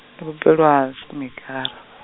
ndo bebelwa Soekmekara.